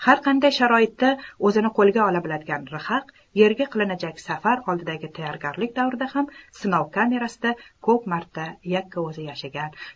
har qanday sharoitda o'zini qo'lga ola biladigan rhaq yerga qilinajak safar oldidagi tayyorgarlik davrida ham sinov kamerasida ko'p marta yakka o'zi yashagan